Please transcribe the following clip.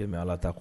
Mɛ ala taa